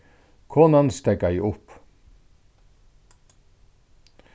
konan steðgaði upp